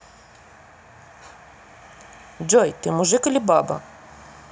джой ты мужик или баба